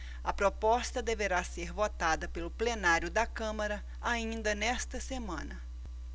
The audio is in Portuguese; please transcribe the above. a proposta deverá ser votada pelo plenário da câmara ainda nesta semana